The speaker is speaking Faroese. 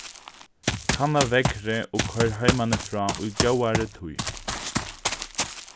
kanna veðrið og koyr heimanífrá í góðari tíð